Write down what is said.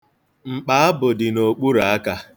Mkpaabụ dị n'okpuru aka.